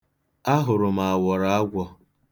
Ahụrụ m awọrọ agwọ.